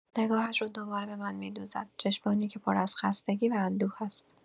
نگاهش را دوباره به من می‌دوزد، چشمانی که پر از خستگی و اندوه است.